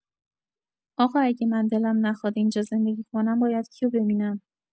آقا اگه من دلم نخواد اینجا زندگی کنم باید کیو ببینم.